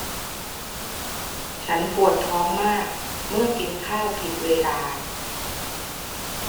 ฉันปวดท้องมากเมื่อกินข้าวผิดเวลา